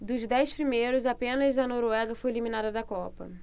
dos dez primeiros apenas a noruega foi eliminada da copa